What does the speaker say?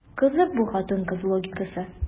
Кызык бу хатын-кыз логикасы.